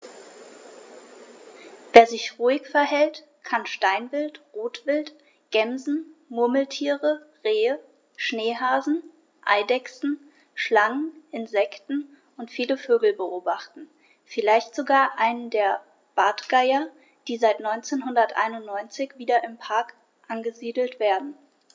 Wer sich ruhig verhält, kann Steinwild, Rotwild, Gämsen, Murmeltiere, Rehe, Schneehasen, Eidechsen, Schlangen, Insekten und viele Vögel beobachten, vielleicht sogar einen der Bartgeier, die seit 1991 wieder im Park angesiedelt werden.